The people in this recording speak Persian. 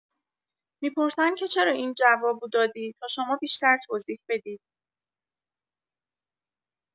می‌پرسن که چرا این جواب و دادی تا شما بیشتر توضیح بدید.